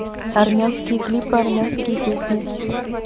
армянские клипы армянские песни